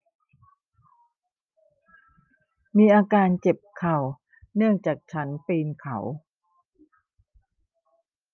มีอาการเจ็บเข่าเนื่องจากฉันปืนเขา